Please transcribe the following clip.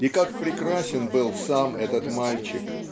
И как прекрасен был сам этот мальчик